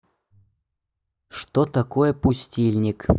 что такое пустильник